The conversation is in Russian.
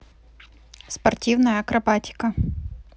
спортивная акробатика